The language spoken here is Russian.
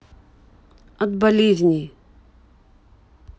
от болезни